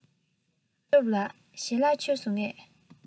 སྟོབས ལགས ཞལ ལག མཆོད སོང ངས